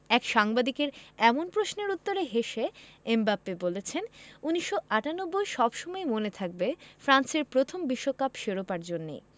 এক সাংবাদিকের এমন প্রশ্নের উত্তরে হেসে এমবাপ্পে বলেছেন ১৯৯৮ সব সময়ই মনে থাকবে ফ্রান্সের প্রথম বিশ্বকাপ শিরোপার জন্যে